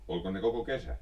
olko ne koko kesän